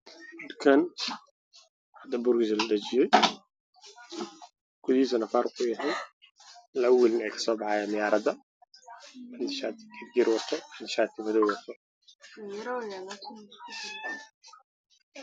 Halkaan waa dukaan hada boorkiisa la dhajiyay